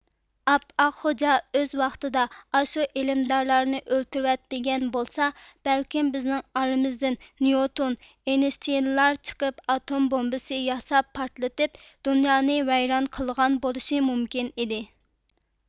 ئاپئاق غوجا ئۆز ۋاقتىدا ئاشۇ ئىلىمدارلارنى ئۆلتۈرىۋەتمىگەن بولسا بەلكىم بىزنىڭ ئارىمىزدىن نىيوتون ئېينىشتىيىنلار چىقىپ ئاتوم بومبىسى ياساپ پارتلىتىپ دۇنيانى ۋەيران قىلغان بولۇشى مۇمكىن ئىدى